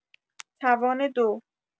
توان دو